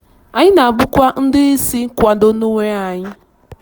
Anyị ga-abụkwa ndị isi nkwado n'onwe anyị.